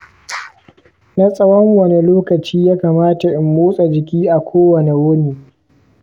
na tsawon wane lokaci ya kamata in motsa-jiki a kowane wuni?